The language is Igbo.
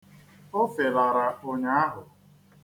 O felara ụnyaahụ.